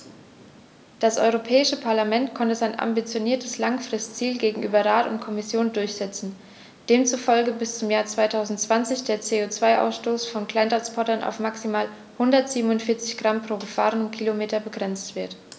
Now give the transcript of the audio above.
Das Europäische Parlament konnte sein ambitioniertes Langfristziel gegenüber Rat und Kommission durchsetzen, demzufolge bis zum Jahr 2020 der CO2-Ausstoß von Kleinsttransportern auf maximal 147 Gramm pro gefahrenem Kilometer begrenzt wird.